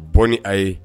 Bɔ ni a ye.